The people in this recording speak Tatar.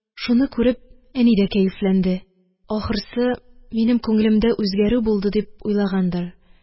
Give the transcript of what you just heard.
Шуны күреп, әни дә кәефләнде. Ахрысы, минем күңелемдә үзгәрү булды дип уйлагандыр,